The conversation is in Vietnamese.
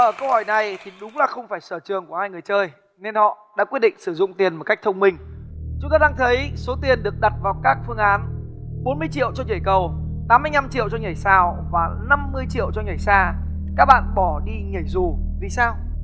ở câu hỏi này thì đúng là không phải sở trường của hai người chơi nên họ đã quyết định sử dụng tiền một cách thông minh chúng ta đang thấy số tiền được đặt vào các phương án bốn mươi triệu cho nhảy cầu tám mươi nhăm triệu cho nhảy sào và năm mươi triệu cho nhảy xa các bạn bỏ đi nhảy dù vì sao